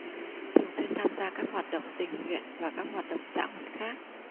thường xuyên tham gia các hoạt động tình nguyện và các hoạt động xã hội khác